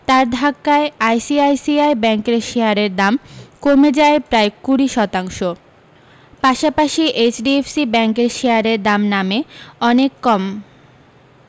তার ধাক্কায় আইসিআইসিআই ব্যাঙ্কের শেয়ারের দাম কমে যায় প্রায় কুড়ি শতাংশ পাশাপাশি এইচডিইফসি ব্যাঙ্কের শেয়ারের দাম নামে অনেক কম